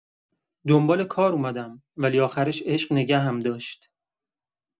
دنبال کار اومدم، ولی آخرش عشق نگهم داشت.